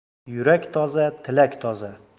yurak toza tilak toza